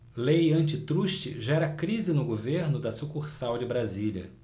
lei antitruste gera crise no governo da sucursal de brasília